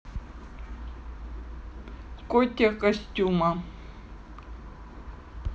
котя костюма